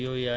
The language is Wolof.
waaw